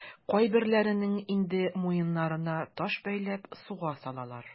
Кайберләренең инде муеннарына таш бәйләп суга салалар.